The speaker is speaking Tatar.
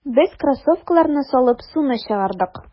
Без кроссовкаларны салып, суны чыгардык.